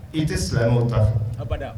I tɛ silamɛ mɔ tan